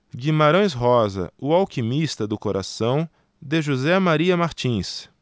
guimarães rosa o alquimista do coração de josé maria martins